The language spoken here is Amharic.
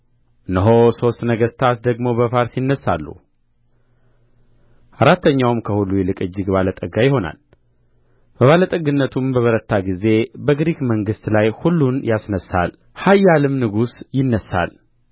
እነሆ ሦስት ነገሥታት ደግሞ በፋርስ ይነሣሉ አራተኛውም ከሁሉ ይልቅ እጅግ ባለጠጋ ይሆናል በባለጠግነቱም በበረታ ጊዜ በግሪክ መንግሥት ላይ ሁሉን ያስነሣል ኃያልም ንጉሥ ይነሣል